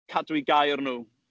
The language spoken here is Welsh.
Cadw eu gair nhw.